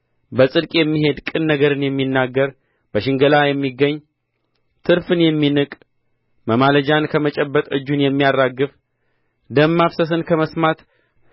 በጽድቅ የሚሄድ ቅን ነገርንም የሚናገር በሽንገላ የሚገኝ ትርፍን የሚንቅ መማለጃን ከመጨበጥ እጁን የሚያራግፍ ደም ማፍሰስን ከመስማት